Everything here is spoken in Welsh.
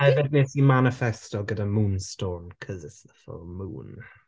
Hefyd wnes i maniffesto gyda Moonstone because it's the full moon.